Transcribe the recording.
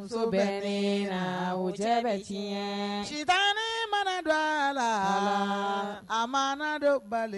sitanɛ mana don a la, a mana don balimaw ni ɲɔgɔn cɛ